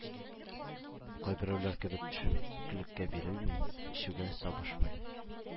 Кайберәүләр кебек төшенкелеккә бирелми, эчүгә сабышмый.